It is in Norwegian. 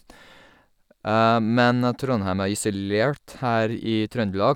Men Trondheim er isolert her i Trøndelag.